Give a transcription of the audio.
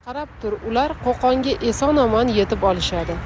qarab tur ular qo'qonga eson omon yetib olishadi